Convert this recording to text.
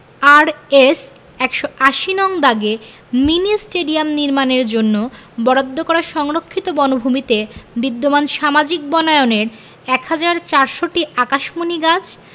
RS ১৮০ নং দাগে mini stadium নির্মাণের জন্য বরাদ্দ করা সংরক্ষিত বনভূমিতে বিদ্যমান সামাজিক বনায়নের ১ হাজার ৪০০টি আকাশমণি গাছ